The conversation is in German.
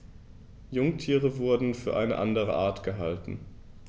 Jungtiere wurden für eine andere Art gehalten.